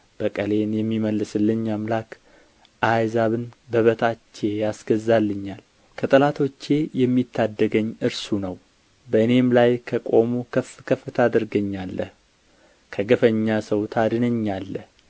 በቀሌን የሚመልስልኝ አምላክ አሕዛብን በበታቼ ያስገዛልኛል ከጠላቶቼ የሚታደገኝ እርሱ ነው በእኔም ላይ ከቆሙ ከፍ ከፍ ታደርገኛለህ ከግፈኛ ሰው ታድነኛለህ